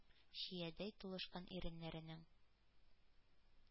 Чиядәй тулышкан иреннәренең,